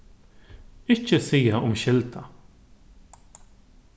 ikki siga umskylda